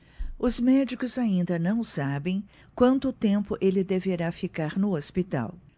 os médicos ainda não sabem quanto tempo ele deverá ficar no hospital